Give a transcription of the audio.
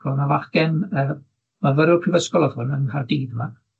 o' 'na fachgen yy myfyrwr prifysgol o'dd hwn yn Nghaerdydd yma